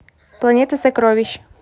планета сокровищ